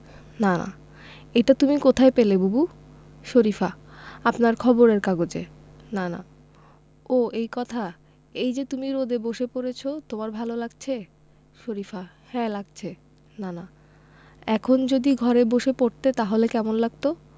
নানা এটা তুমি কোথায় পেলে বুবু শরিফা আপনার খবরের কাগজে নানা ও এই কথা এই যে তুমি রোদে বসে পড়ছ তোমার ভালো লাগছে শরিফা হ্যাঁ লাগছে নানা এখন যদি ঘরে বসে পড়তে তাহলে কেমন লাগত